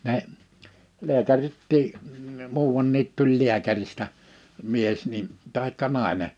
ne lääkäritkin muuan tuli lääkäristä mies niin tai nainen